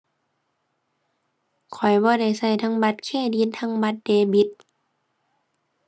ข้อยบ่ได้ใช้เทิงบัตรเครดิตเทิงบัตรเดบิต